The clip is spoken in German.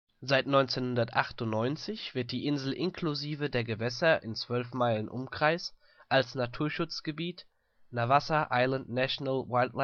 Seit 1998 wird die Insel inklusive der Gewässer in 12 Meilen Umkreis als Naturschutzgebiet Navassa Island National Wildlife Refuge